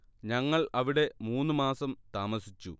ഞങ്ങൾ അവിടെ മൂന്ന് മാസം താമസിച്ചു